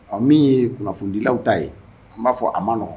Ɔ min ye kunnafonidilaw ta ye n b'a fɔ a ma nɔ